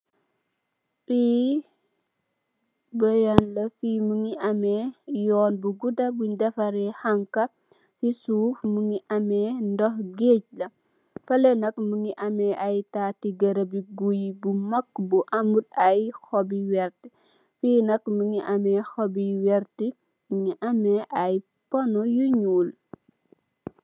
Fii bayal la fi mugii ameh yoon bu gudda buñ defarr ree xanxa ci suuf mugii ameh dox gaaj la fale nak mugii ameh ay tatti garap bi guy bu mak bu amut ay xop yu werta fi nak mugii ameh ay xop yu werta mugii ameh ay panu yu ñuul.